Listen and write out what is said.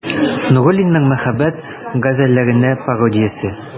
Нуруллинның «Мәхәббәт газәлләренә пародия»се.